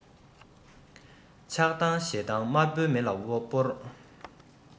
ཆགས སྡང ཞེ སྡང དམར པོའི མེ ལ སྤོར